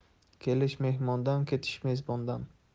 kelish mehmondan ketish mezbondan